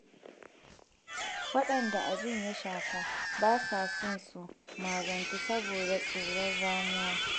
Waɗanda abin ya shafa ba sa son su magantu saboda tsoron ramuwa.